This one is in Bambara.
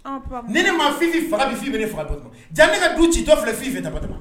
Ni ne mafin faga bifin bɛ ne faga jaa ne ka du ci dɔ filɛ fi fɛ ta